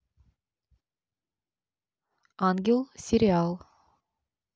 ангел сериал